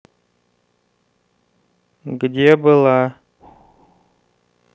где была